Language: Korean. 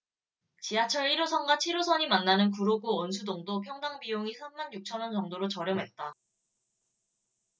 지하철 일 호선과 칠 호선이 만나는 구로구 온수동도 평당 비용이 삼 만 육천 원 정도로 저렴했다